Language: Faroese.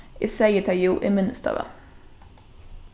eg segði tað jú eg minnist tað væl